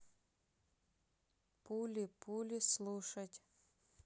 пули пули слушать